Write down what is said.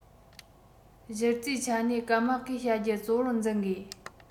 གཞི རྩའི ཆ ནས སྐམ དམག གིས བྱ རྒྱུ གཙོ བོར འཛིན དགོས